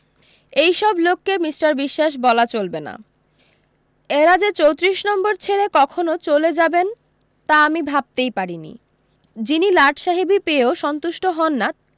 এই সব লোককে মিষ্টার বিশ্বাস বলা চলবে না এরা যে চোত্রিশ নম্বর ছেড়ে কখনো চলে যাবেন তা আমি ভাবতেই পারি নি যিনি লাটসাহেবী পেয়েও সন্তুষ্ট হন না